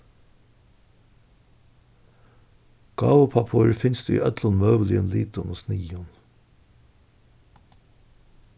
gávupappír finst í øllum møguligum litum og sniðum